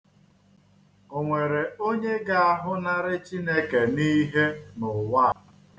O nwere onye ga-ahụnarị Chineke n'ihe n'ụwa a?